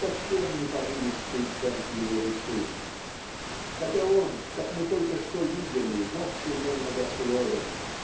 совсем не порывистый темп его души. Хотя он как мы только что видели вовсе не многословен